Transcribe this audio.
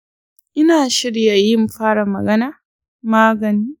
ina shirye in fara magani nan take.